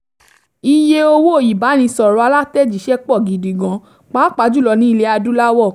Iye owó ìbánisọ̀rọ̀ alátẹ̀jíṣẹ́ pọ̀ gidi gan, pàápàá jùlọ ní ilẹ̀ Adúláwọ̀.